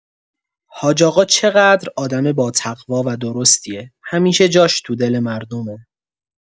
حاج‌آقا چقدر آدم باتقوا و درستیه، همیشه جاش تو دل مردمه!